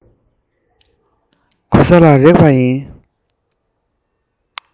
གོ ས ལ རེག པ ཡིན ལ